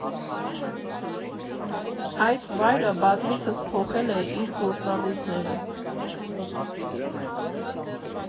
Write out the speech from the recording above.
Այս վայրը բազմիցս փոխել է իր գործառույթները.